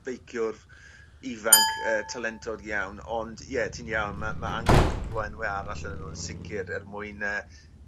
beiciwr ifanc yy talentog iawn ond ie t'in iawn ma' ma' angen cwpwl enwe arall arnyn n'w yn sicir er mwyn yy